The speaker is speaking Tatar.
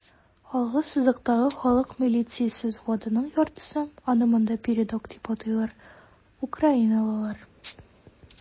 Алгы сызыктагы халык милициясе взводының яртысы (аны монда "передок" дип атыйлар) - украиналылар.